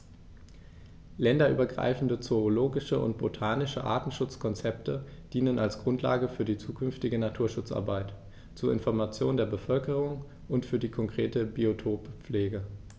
Länderübergreifende zoologische und botanische Artenschutzkonzepte dienen als Grundlage für die zukünftige Naturschutzarbeit, zur Information der Bevölkerung und für die konkrete Biotoppflege.